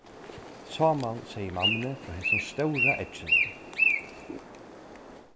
sámal segði mammuni frá hesum stóra egginum